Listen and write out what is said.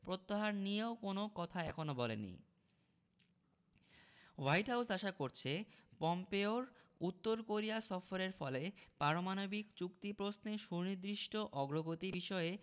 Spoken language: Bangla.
প্রত্যাহার নিয়েও কোনো কথা এখনো বলেনি হোয়াইট হাউস আশা করছে পম্পেওর উত্তর কোরিয়া সফরের ফলে পারমাণবিক চুক্তি প্রশ্নে সুনির্দিষ্ট অগ্রগতি বিষয়ে